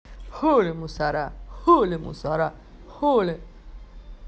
хули мусора хули мусора хули